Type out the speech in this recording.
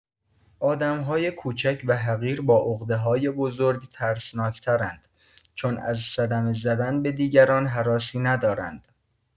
آدم‌های کوچک و حقیر با عقده‌های بزرگ ترسناک‌ترند، چون از صدمه زدن به دیگران هراسی ندارند!